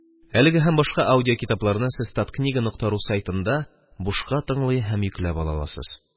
Әлеге һәм башка аудио китапарны сез Таткнига нокта ру сайтында бушка тыңлый һәм йөкләп ала аласыз